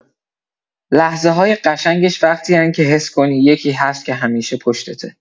لحظه‌های قشنگش وقتی‌ان که حس کنی یکی هست که همیشه پشتته.